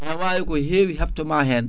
aɗa wawi ko hewi hebtoma hen